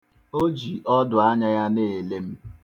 O ji ọdụanya ya na-ele m.